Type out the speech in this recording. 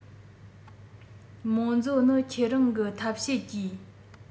རྨོན མཛོ ནི ཁྱེད རང གི ཐབས ཤེས གྱིས